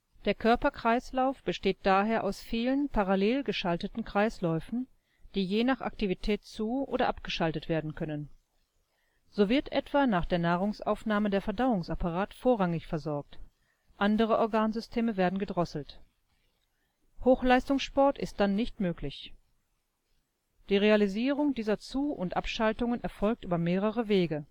Der Körperkreislauf besteht daher aus vielen parallel geschalteten Kreisläufen, die je nach Aktivität zu - oder abgeschaltet werden können. So wird etwa nach der Nahrungsaufnahme der Verdauungsapparat vorrangig versorgt, andere Organsysteme werden gedrosselt, Hochleistungssport ist dann nicht möglich. Die Realisierung dieser Zu - und Abschaltungen erfolgt über mehrere Wege